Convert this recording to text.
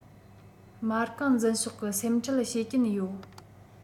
མ རྐང འཛིན ཤོག གི སེམས ཁྲལ བྱེད ཀྱིན ཡོད